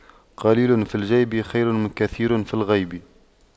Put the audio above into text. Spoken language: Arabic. قليل في الجيب خير من كثير في الغيب